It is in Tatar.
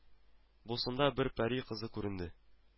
Бусында бер пәри кызы күренде: